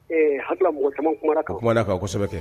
Hadu mɔgɔ caman kumaumana kosɛbɛ